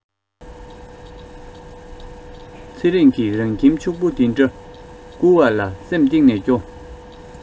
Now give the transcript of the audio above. ཚེ རིང གི རང ཁྱིམ ཕྱུག པོ འདི འདྲ བསྐུར བ ལ སེམས གཏིང ནས སྐྱོ